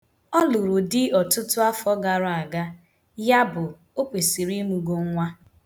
Ọ lụrụ di ọtụtụ afọ gara aga, yabụ, o kwesiri ịmụgo nwa.